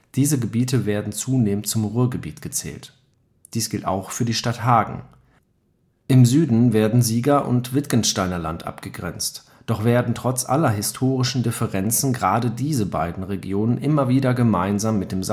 diese Gebiete werden zunehmend zum Ruhrgebiet gezählt. Dies gilt auch für die Stadt Hagen. Im Süden werden Sieger - und Wittgensteiner Land abgegrenzt; doch werden trotz aller historischen Differenzen gerade diese beiden Regionen immer wieder gemeinsam